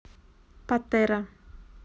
патеро